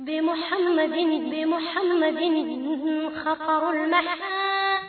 Bmu hadbmu had wula